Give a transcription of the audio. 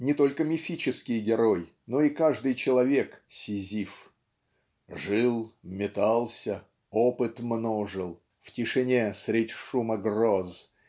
Не только мифический герой, но и каждый человек - Сизиф: "жил. метался опыт множил в тишине средь шума гроз